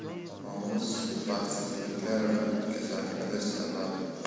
og'iz baxtsizliklar va kasalliklar sababi